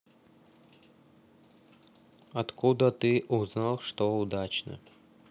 откуда ты узнал что удачно